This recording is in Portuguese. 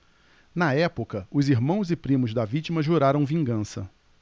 na época os irmãos e primos da vítima juraram vingança